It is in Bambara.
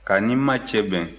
k'a ni ma cɛ bɛn